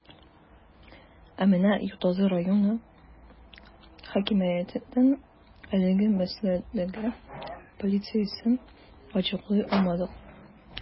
Ә менә Ютазы районы хакимиятенең әлеге мәсьәләдәге позициясен ачыклый алмадык.